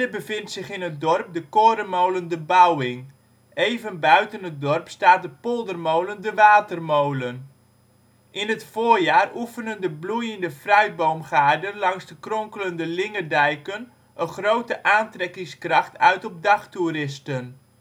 bevindt zich in het dorp de korenmolen de Bouwing. Even buiten het dorp staat de poldermolen De Watermolen. In het voorjaar oefenen de bloeiende fruitboomgaarden langs de kronkelende lingedijken een grote aantrekkingskracht uit op dagtoeristen